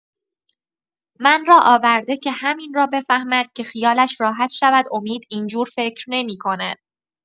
من را آورده که همین را بفهمد که خیالش راحت شود امید این‌جور فکر نمی‌کند.